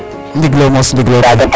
Ndigil o moos ndigil o ,